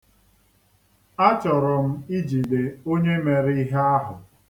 Achọrọ m ijide onye mere ihe ahụ.